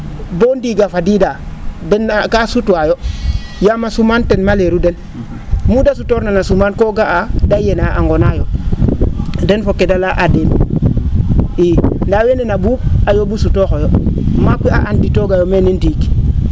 boo ndiig a fadiida den kaa sutwaayo yaam a sumaan ten maleeru den muu da sutoorna na sumaan koo ga'aa da yenaa a nqonaayo den fo kee da laya adiin i ndaa weene da mbuu? a yoo?u sutooxooyo maak we a anditoogaayo meene ndiig